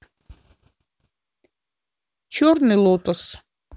черный лотос